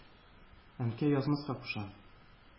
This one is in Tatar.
Әнкәй язмаска куша.